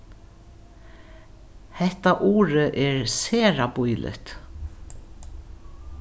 hetta urið er sera bíligt